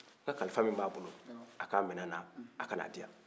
n ka kalifa min b'a bolo a' ka minɛ a na a' ka n'a di yan